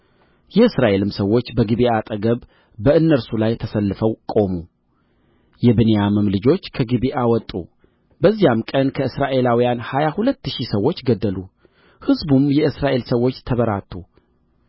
የእስራኤልም ሰዎች በጊብዓ አጠገብ በእነርሱ ላይ ተሰልፈው ቆሙ የብንያምም ልጆች ከጊብዓ ወጡ በዚያም ቀን ከእስራኤላውያን ሀያ ሁለት ሺህ ሰዎች ገደሉ ሕዝቡም የእስራኤል ሰዎች ተበራቱ